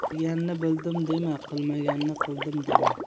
bilmaganni bildim dema qilmaganni qildim dema